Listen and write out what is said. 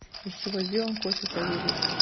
из чего сделан костя савельев